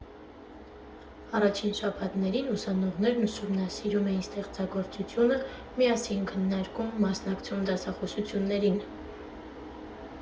Առաջին շաբաթներին ուսանողներնուսումնասիրում էին ստեղծագործությունը, միասին քննարկում, մասնակցում դասախոսություններին։